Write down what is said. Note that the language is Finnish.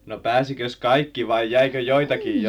no pääsikös kaikki vai jäikö joitakin -